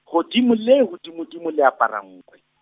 hodimo le hodimodimo leaparankwe.